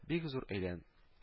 Бик зур әйлән